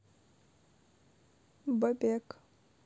бабек